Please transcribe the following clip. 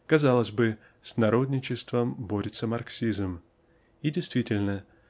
Казалось бы, с народничеством борется марксизм и действительно